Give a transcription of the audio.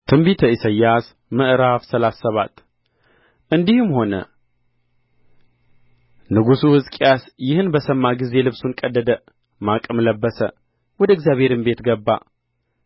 ትንቢተ ኢሳይያስ ምዕራፍ ሰላሳ ሰባት እንዲህም ሆነ ንጉሡ ሕዝቅያስ ይህን በሰማ ጊዜ ልብሱን ቀደደ ማቅም ለበሰ ወደ እግዚአብሔርም ቤት ገባ